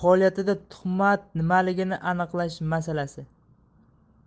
faoliyatida tuhmat nimaligini aniqlash masalasi